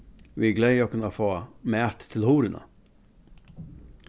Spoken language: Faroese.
vit gleða okkum at fáa mat til hurðina